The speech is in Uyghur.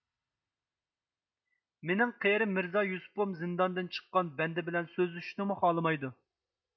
مېنىڭ قېرى مىرزا يۈسۈپۈم زىنداندىن چىققان بەندە بىلەن سۆزلىشىشنىمۇ خالىمايدۇ